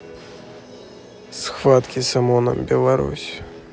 схватки с омоном беларусь